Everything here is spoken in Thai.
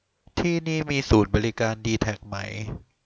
ที่นี่มีศูนย์บริการดีแทคไหม